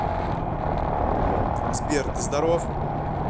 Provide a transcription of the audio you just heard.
сбер ты здоров